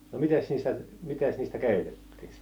no mitäs niistä mitäs niistä keitettiin